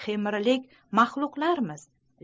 hemirilik maxluqlarmiz